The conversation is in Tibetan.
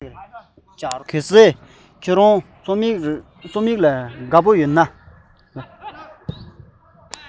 གལ ཏེ ཁྱོད རང རྩོམ རིག ལ དུངས ན